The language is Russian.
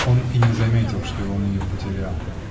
Он и не заметил, что он ее потерял.